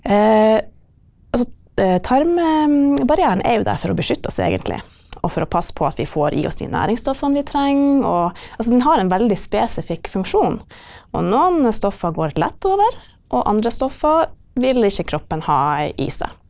altså tarmbarrieren er jo der for å beskytte oss egentlig og for å passe på at vi får i oss de næringsstoffene vi trenger, og altså den har en veldig spesifikk funksjon, og noen stoffer går lett over og andre stoffer vil ikke kroppen ha i seg.